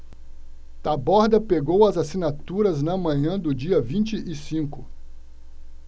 taborda pegou as assinaturas na manhã do dia vinte e cinco